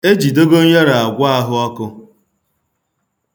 E ji dogonyaro agwọ ahụọkụ.